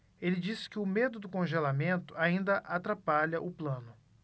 ele disse que o medo do congelamento ainda atrapalha o plano